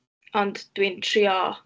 Ond dwi'n trio.